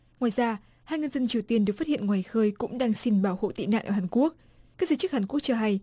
ngoài ra hai nhân dân triều tiên được phát hiện ngoài khơi cũng đang xin bảo hộ tị nạn ở hàn quốc các giới chức hàn quốc cho hay